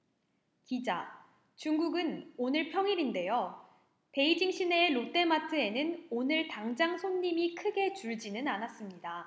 기자 중국은 오늘 평일인데요 베이징 시내의 롯데마트에는 오늘 당장 손님이 크게 줄지는 않았습니다